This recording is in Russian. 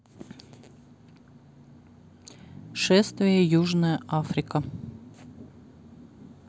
шествие южная африка